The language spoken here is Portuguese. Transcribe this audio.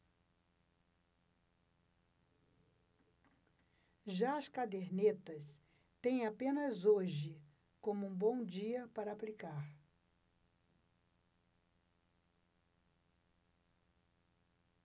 já as cadernetas têm apenas hoje como um bom dia para aplicar